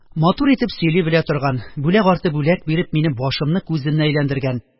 Матур итеп сөйли белә торган, бүләк арты бүләк биреп минем башымны-күземне әйләндергән